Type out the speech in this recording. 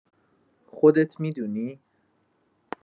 خودت می‌دونی!